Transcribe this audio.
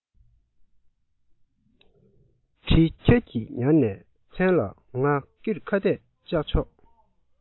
གྲི ཁྱོད ཀྱིས ཉར ནས མཚན ལ ང ཀིར ཁ གཏད བཅག ཆོག